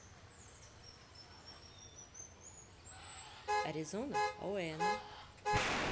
arizona оуэна